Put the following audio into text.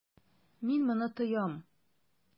Мин моны тоям.